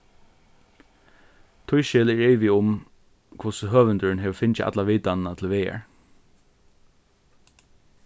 tískil er ivi um hvussu høvundurin hevur fingið alla vitanina til vegar